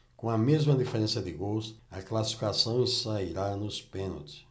com a mesma diferença de gols a classificação sairá nos pênaltis